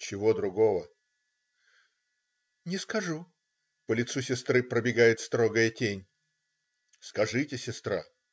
- "Чего другого?" - "Не скажу",- по лицу сестры пробегает строгая тень. "Скажите, сестра".